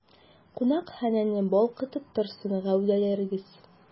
Кунакханәне балкытып торсын гәүдәләрегез!